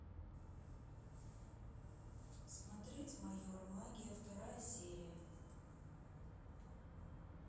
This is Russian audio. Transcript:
смотреть майора магия вторая серия